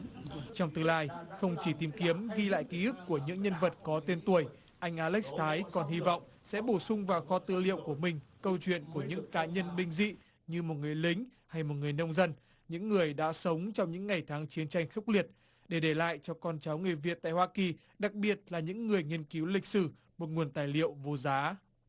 trong tương lai không chỉ tìm kiếm ghi lại ký ức của những nhân vật có tên tuổi anh a lếch sái còn hy vọng sẽ bổ sung vào kho tư liệu của mình câu chuyện của những cá nhân bình dị như một người lính hay một người nông dân những người đã sống trong những ngày tháng chiến tranh khốc liệt để để lại cho con cháu người việt tại hoa kỳ đặc biệt là những người nghiên cứu lịch sử một nguồn tài liệu vô giá